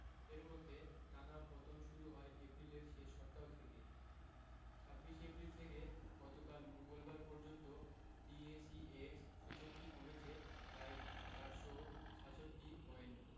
এর মধ্যে টানা পতন শুরু হয় এপ্রিলের শেষ সপ্তাহ থেকে ২৬ এপ্রিল থেকে গতকাল মঙ্গলবার পর্যন্ত ডিএসইএক্স সূচকটি কমেছে প্রায় ৪৬৭ পয়েন্ট